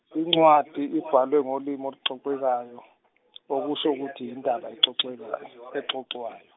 incwadi ibhalwe ngolimi oluxoxekayo, okusho ukuthi yindaba exoxekayo exoxwayo.